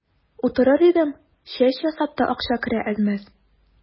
Утырыр идем, чәч ясап та акча керә әз-мәз.